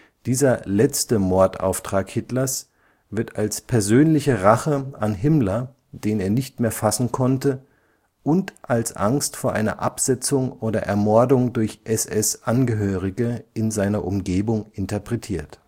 Dieser letzte Mordauftrag Hitlers wird als persönliche Rache an Himmler, den er nicht mehr fassen konnte, und als Angst vor einer Absetzung oder Ermordung durch SS-Angehörige in seiner Umgebung interpretiert